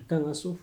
Ka ka so fo